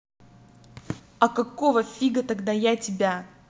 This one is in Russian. а какого фига тогда я тебя